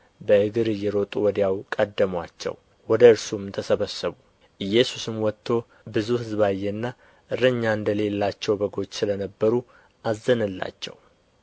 በእግር እየሮጡ ወዲያ ቀደሙአቸው ወደ እርሱም ተሰበሰቡ ኢየሱስም ወጥቶ ብዙ ሕዝብ አየና እረኛ እንደሌላቸው በጎች ስለ ነበሩ አዘነላቸው